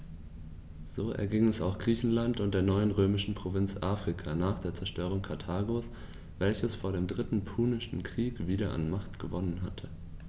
So erging es auch Griechenland und der neuen römischen Provinz Afrika nach der Zerstörung Karthagos, welches vor dem Dritten Punischen Krieg wieder an Macht gewonnen hatte.